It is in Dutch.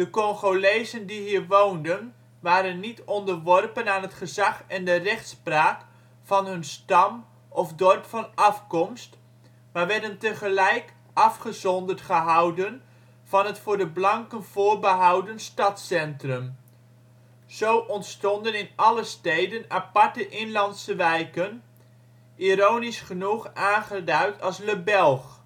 Congolezen die hier woonden waren niet onderworpen aan het gezag en de rechtspraak van hun stam of dorp van afkomst, maar werden tegelijk afgezonderd gehouden van het voor de blanken voorbehouden stadscentrum. Zo ontstonden in alle steden aparte inlandse wijken - ironisch genoeg aangeduid als ' le belge